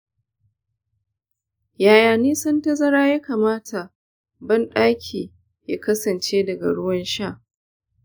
yaya nisan tazara ya kamata ban-ɗaki ya kasance daga ruwan sha?